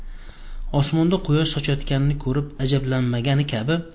osmonda kuyosh sochayotganini ko'rib ajablanmagani kabi